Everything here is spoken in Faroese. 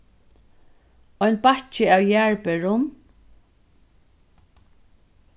ein bakki av jarðberum